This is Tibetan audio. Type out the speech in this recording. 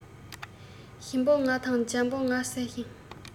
ཞིམ པོ ང དང འཇམ པོ ང ཟེར གྱི